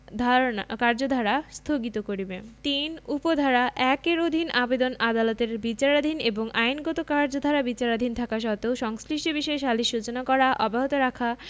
কার্যধারা স্থগিত করিবে ৩ উপ ধারা ১ এর অধীন আবেদন আদালতের বিবেচনাধীন এবং আইনগত কার্যধারা বিচারাধীন থাকা সত্ত্বেও সংশ্লিষ্ট বিষয়ে সালিস সূচনা করা অব্যাহত রাখা